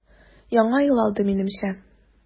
Яңа ел алды, минемчә.